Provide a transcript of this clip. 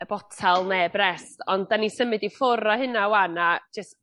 y botel ne' brest ond 'dan ni symud i ffwr' a hynna 'wan a jys